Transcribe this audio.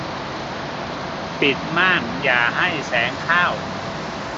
ปิดม่านอย่าให้แสงเข้า